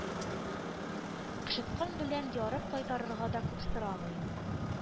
Кычыткан белән ярып кайтарырга да күп сорамый.